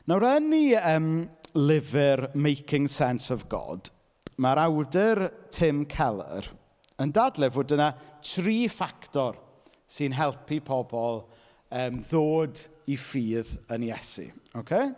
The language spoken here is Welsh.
Nawr yn ei yym lyfr Making Sense of God ma'r awdur Tim Keller yn dadlau fod 'na tri ffactor sy'n helpu pobl yym ddod i ffydd yn Iesu. Ocê?